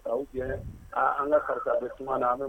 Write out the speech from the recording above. An ka karisa bɛ kuma na